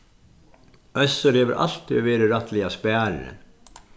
øssur hevur altíð verið rættiliga sparin